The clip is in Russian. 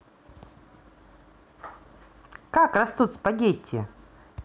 как растут спагетти